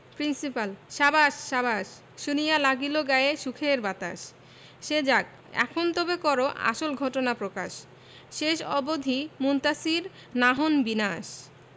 principal সাবাস সাবাস শুনিয়া লাগিল গায়ে সুখের বাতাস সে যাক এখন তবে করো আসল ঘটনা প্রকাশ শেষ অবধি মুনতাসীর না হন বিনাশ